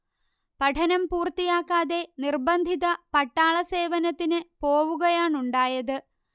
പഠനം പൂർത്തിയാക്കാതെ നിർബദ്ധിത പട്ടാള സേവനത്തിനു പോവുകയാണുണ്ടായത്